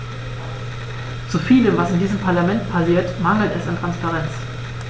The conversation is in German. Zu vielem, was in diesem Parlament passiert, mangelt es an Transparenz.